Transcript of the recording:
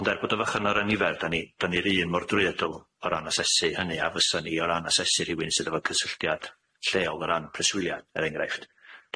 Ond er bod yn fychan o ran nifer 'dan ni 'dan ni'r un mor drwyadl o ran asesu hynny a fysa ni o ran asesu rhywun sydd efo cysylltiad lleol o ran preswyliad er enghraifft.